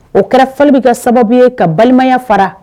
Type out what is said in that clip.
O kɛrali bɛ ka sababu ye ka balimaya fara